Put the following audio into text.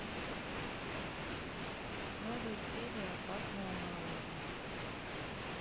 новые серии опасного малого